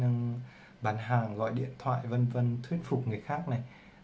kỹ năng bán hàng gọi điện thoại thuyết phục người khác